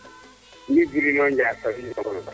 mi Birima Ndiack faye